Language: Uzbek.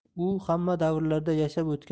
u hamma davrlarda yashab